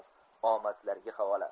omadlariga havola